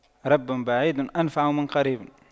رب بعيد أنفع من قريب